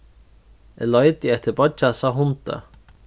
eg leiti eftir beiggjasa hundi